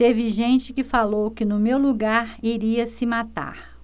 teve gente que falou que no meu lugar iria se matar